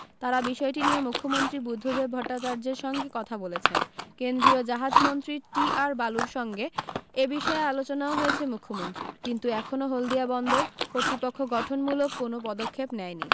তাঁরা বিষয়টি নিয়ে মুখ্যমন্ত্রী বুদ্ধদেব ভট্টাচার্যের সঙ্গে কথা বলেছেন কেন্দ্রীয় জাহাজমন্ত্রী টি আর বালুর সঙ্গে এবিষয়ে আলোচনাও হয়েছে মুখ্যমন্ত্রীর কিন্তু এখনও হলদিয়া বন্দর কর্তৃপক্ষ গঠন মূলক কোনও পদক্ষেপ নেয়নি